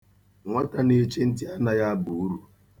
Nwata na-echi ntị anaghị aba uru.